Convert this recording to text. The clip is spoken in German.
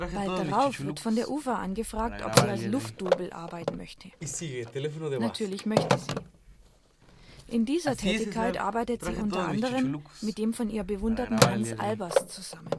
Bald darauf wird sie von der UFA angefragt, ob sie als Luftdouble arbeiten möchte - natürlich möchte sie! In dieser Tätigkeit arbeitet sie unter Anderem mit dem von ihr bewunderten Hans Albers zusammen